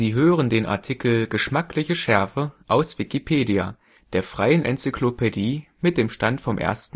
hören den Artikel Geschmackliche Schärfe, aus Wikipedia, der freien Enzyklopädie. Mit dem Stand vom Der